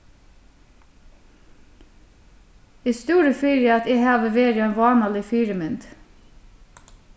eg stúri fyri at eg havi verið ein vánalig fyrimynd